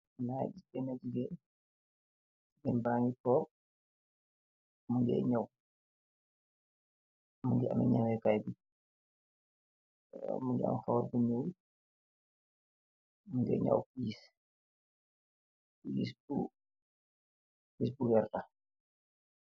Maangi gis Beena jigeen. Jigeen jaa ngi toog. mungee ñew. Mungi amee ñewekaay. Mungo am xoor bu ñool. Mungee ñaw piis. Piis bu werta.